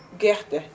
gerte